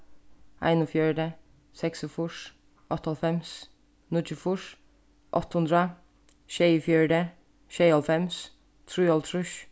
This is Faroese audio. einogfjøruti seksogfýrs áttaoghálvfems níggjuogfýrs átta hundrað sjeyogfjøruti sjeyoghálvfems trýoghálvtrýss